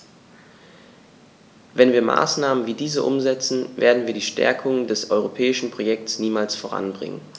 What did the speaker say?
Wenn wir Maßnahmen wie diese umsetzen, werden wir die Stärkung des europäischen Projekts niemals voranbringen.